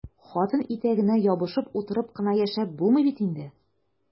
Хатын итәгенә ябышып утырып кына яшәп булмый бит инде!